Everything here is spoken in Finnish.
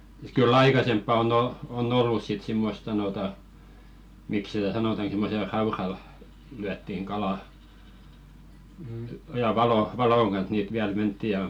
kyllä aikaisempaa on - on ollut sitten semmoista sanotaan miksi sitä sanotaan semmoisella raudalla lyötiin kalaa ja - valon kanssa niitä vielä mentiin ja